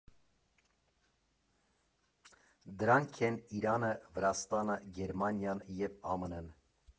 Դրանք են Իրանը, Վրաստանը, Գերմանիան և ԱՄՆ֊ն։